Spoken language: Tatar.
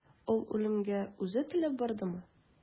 Ул үлемгә үзе теләп бардымы?